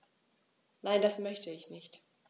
Nein, das möchte ich nicht.